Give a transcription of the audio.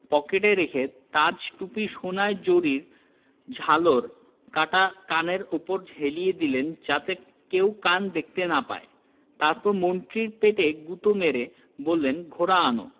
পকেটে রেখে তাজ টুপির সোনার জরির ঝালর কাটা কানের উপর হেলিয়ে দিলেন যাতে কেউ কান দেখতে না পায় তারপর মন্ত্রীর পেটে গুতো মেরে বললেন ঘোড়া আন